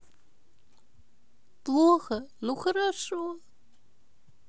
плохо ну хорошо